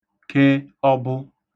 ke ọḃụ